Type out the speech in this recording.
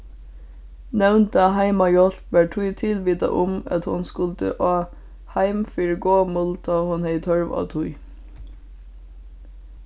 nevnda heimahjálp var tí tilvitað um at hon skuldi á heim fyri gomul tá hon hevði tørv á tí